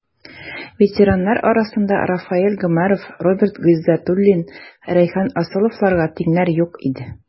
Ветераннар арасында Рафаэль Гомәров, Роберт Гыйздәтуллин, Рәйхан Асыловларга тиңнәр юк иде.